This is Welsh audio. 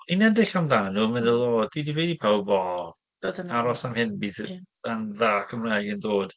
I'n edrych amdanyn nhw a meddwl, "O dwi 'di deud i pawb "O... ...aros am hyn, bydd band dda Cymraeg yn dod.""